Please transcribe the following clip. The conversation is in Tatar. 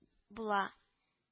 Була